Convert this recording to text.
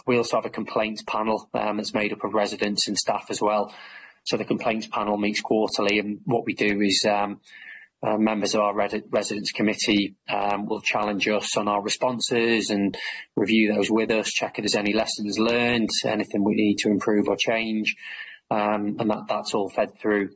We also have a complaints panel erm that's made up of residents and staff as well. So the complaints panel meets quarterly and what we do is erm our members of our red- residents committee erm will challenge us on our responses and review those with us, check if there's any lessons learned, anything we need to improve or change, erm and that that's all fed through